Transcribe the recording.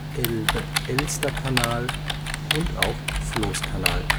Elbe-Elster-Kanal und auch Floßkanal